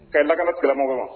Ka lakalaana kalamɔgɔw